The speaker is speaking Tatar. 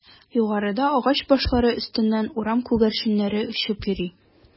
Югарыда агач башлары өстеннән урман күгәрченнәре очып йөри.